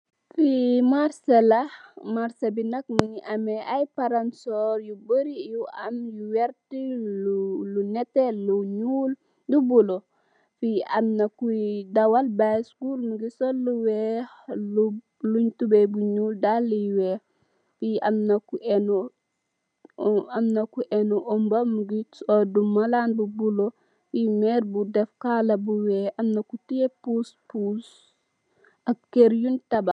Li musu la muusu bi nak mugi ame ay palan sor yu bari mungi lu wert lu njul lu bula ak lu nete fi amna kuye dawal welomungi sol lu bula Tobey bu njul dala yu wex amna ku enu amlbu mungi oddu malan bu bula meer bu def kala bu wex amna ku teya puse puse aj ker youn tabax